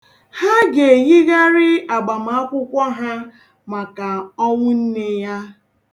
Ha ga-eyigharị agbamaakwụkwọ ha maka ọnwụ nne ya.